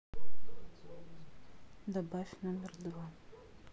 добавь номер два